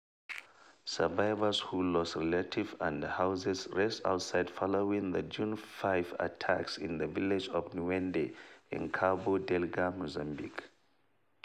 Survivors who lost relatives and houses rest outside following the June 5 attack in the village of Naunde in Cabo Delgado, Mozambique.